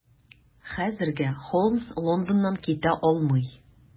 Хәзергә Холмс Лондоннан китә алмый.